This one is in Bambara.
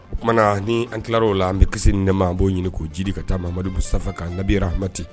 O kumana na ni an tilalaw la an bɛ kisi ni nɛma, an b'o ɲini k'o jidi ka taa Mamadu Mustafa kan nabiyi rahamati